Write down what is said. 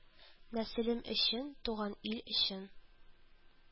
Нәселем өчен, Туган ил өчен